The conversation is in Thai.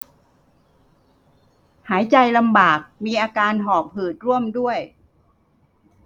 หายใจลำบากมีอาการหอบหืดร่วมด้วย